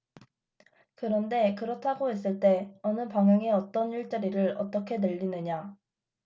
그런데 그렇다고 했을 때 어느 방향의 어떤 일자리를 어떻게 늘리느냐